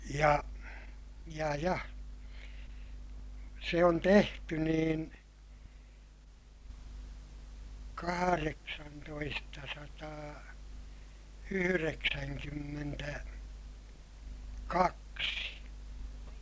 ja ja ja se on tehty niin kahdeksantoistasataa yhdeksänkymmentä kaksi